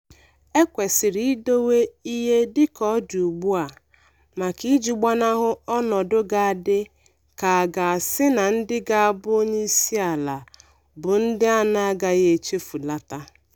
Ekwesịrị idowe ihe dị ka ọ dị ugbu a maka iji gbanahụ ọnọdụ ga-adị ka a ga-asị na ndị ga-abụ Onyeisiala bụ ndị a na-agaghị echefulata.